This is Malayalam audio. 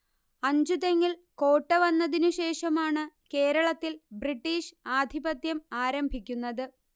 അഞ്ചുതെങ്ങിൽ കോട്ട വന്നതിനു ശേഷമാണു കേരളത്തിൽ ബ്രിട്ടീഷ് ആധിപത്യം ആരംഭിക്കുന്നത്